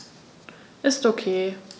Ist OK.